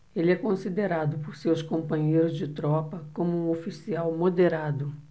ele é considerado por seus companheiros de tropa como um oficial moderado